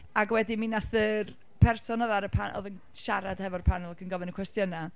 Ac wedyn, mi wnaeth yr person oedd ar y pan... oedd yn siarad hefo'r panel ac yn gofyn y cwestiynau...